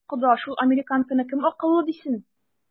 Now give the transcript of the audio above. Кода, шул американканы кем акыллы дисен?